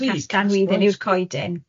Castanwydden yw'r coedyn.